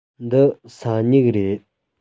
འདི ས སྨྱུག རེད